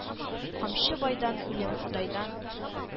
КАМЧЫ БАЙДАН, ҮЛЕМ ХОДАЙДАН